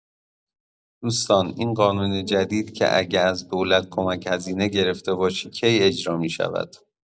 دوستان این قانون جدید که اگه از دولت کمک‌هزینه گرفته باشی کی اجرا می‌شود؟